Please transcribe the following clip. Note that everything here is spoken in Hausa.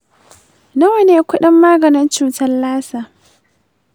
nawa ne kudin maganin cutar lassa?